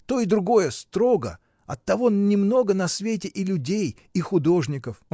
То и другое строго: оттого немного на свете и людей, и художников.